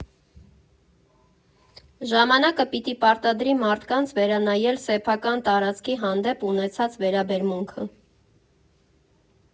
Ժամանակը պիտի պարտադրի մարդկանց վերանայել սեփական տարածքի հանդեպ ունեցած վերաբերմունքը։